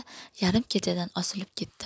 yarim kechadan oshib ketdi